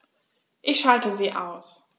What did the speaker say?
Ich schalte sie aus.